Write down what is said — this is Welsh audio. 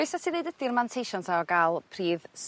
Be' 'sat ti ddeud ydi'r manteision 'ta o ga'l pridd